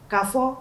Ka fɔ